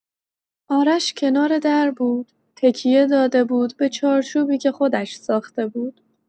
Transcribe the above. آرش کنار در بود، تکیه داده بود به چارچوبی که خودش ساخته بود.